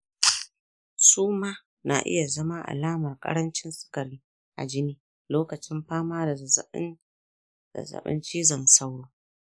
suma na iya zama alamar ƙarancin sukari a jini lokacin fama da zazzabin zazzabin cizon sauro.